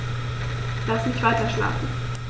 Lass mich weiterschlafen.